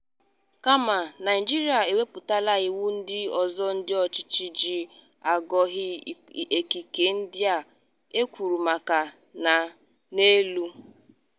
Kama, Naịjirịa ewepụtala iwu ndị ọzọ ndị ọchịchị ji agọnahụ ikike ndịa e kwuru maka ya n'elu.